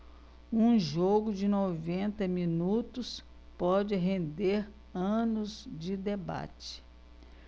um jogo de noventa minutos pode render anos de debate